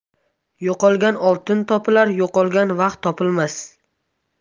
yo'qolgan oltin topilar yo'qolgan vaqt topilmas